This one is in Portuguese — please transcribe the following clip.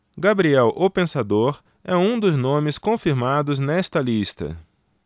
gabriel o pensador é um dos nomes confirmados nesta lista